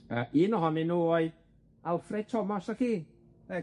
Yy un ohonyn nw oedd Alfred Thomas , yy